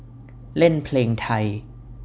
เล่นเพลงไทย